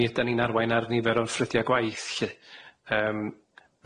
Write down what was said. mi ydan ni'n arwain ar nifer o'r ffrydia' gwaith lly yym,